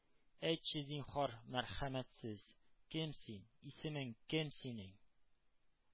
Әйтче, зинһар, мәрхәмәтсез! Кем син? Исмең кем синең?